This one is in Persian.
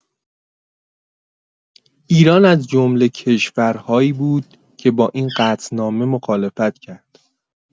ایران از جمله کشورهایی بود که با این قطعنامه مخالفت کرد.